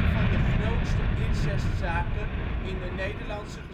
van de grootste incestzaken in de Nederlandse